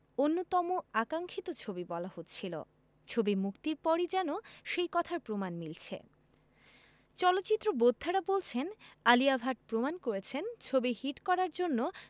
অন্যতম আকাঙ্খিত ছবি বলা হচ্ছিল ছবি মুক্তির পরই যেন সেই কথার প্রমাণ মিলছে চলচ্চিত্র বোদ্ধারা বলছেন আলিয়া ভাট প্রমাণ করেছেন ছবি হিট করার জন্য